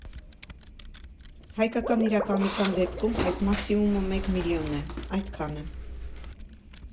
(Հայկական իրականության դեպքում այդ մաքսիմումը մեկ միլիոնն է) Այդքանը։